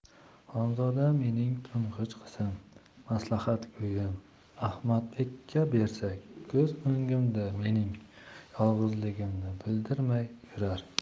xonzoda mening to'ng'ich qizim maslahatgo'yim ahmadbekka bersak ko'z o'ngimda mening yolg'izligimni bilintirmay yurur